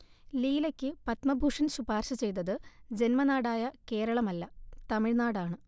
ലീലയ്ക്കു പദ്മഭൂഷൺ ശുപാർശ ചെയ്തത് ജന്മനാടായ കേരളമല്ല, തമിഴ്നാടാണ്